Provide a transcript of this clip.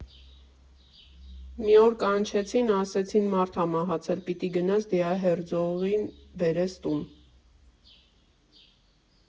Մի օր կանչեցին, ասեցին՝ մարդ ա մահացել, պիտի գնաս դիահերձողին բերես տուն։